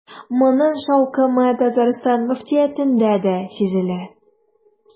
Моның шаукымы Татарстан мөфтиятендә дә сизелә.